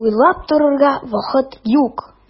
Уйлап торырга вакыт юк!